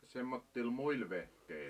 semmoisilla muilla vehkeillä